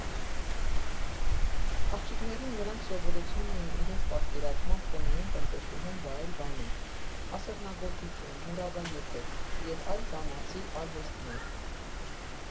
Աղջիկներին նրանք սովորեցնում էին իրենց պատկերացմամբ տնային տնտեսուհուն վայել բաներ՝ ասեղնագործություն, մուրաբա եփել և այլ «կանացի արհեստներ»։